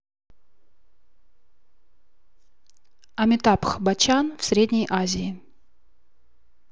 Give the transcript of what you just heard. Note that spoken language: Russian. amitabh bachchan в средней азии